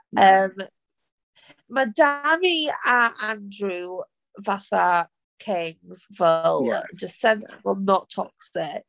Ymm mae Dami a Andrew fatha kings fel just sensible not toxic.